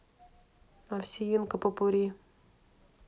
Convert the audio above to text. овсиенко попурри